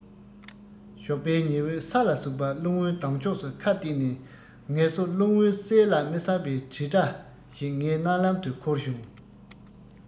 ཞོགས པའི ཉི འོད ས ལ ཟུག པ རླུང བུའི ལྡང ཕྱོགས སུ ཁ གཏད ནས ངལ གསོ རླུང བུས གསལ ལ མི གསལ བའི དྲིལ སྒྲ ཞིག ངའི རྣ ལམ དུ ཁུར བྱུང